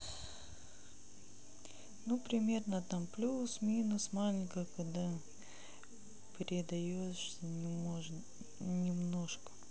ну примерно там плюс минус маленько когда предаешься немножко